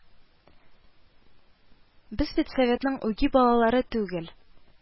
Без бит Советның үги балалары түгел